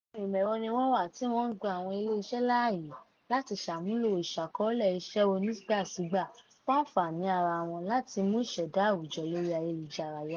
Ọ̀pọ̀ àwọn ìmọ̀-ẹ̀rọ ni wọ́n wà tí wọ́n ń gba àwọn ilé-iṣẹ́ láàyè láti ṣe àmúlò ìṣàkọọ́lẹ̀ isẹ́ onígbàsígbà fún àǹfààní ara wọn láti mú ìṣẹ̀dá àwùjọ lórí ayélujára yá.